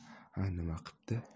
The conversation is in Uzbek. ha nima qipti